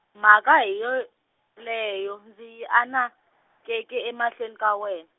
mhaka hi yoleyo ndzi yi anekeke emahlweni ka wen-.